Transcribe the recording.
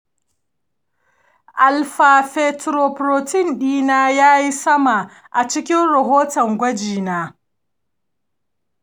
alpha fetoprotein dina ya yi sama a cikin rahoton gwaji na.